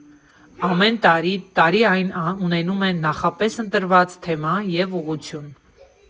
Ամեն տարի տարի այն ունենում է նախապես ընտրված թեմա և ուղղություն։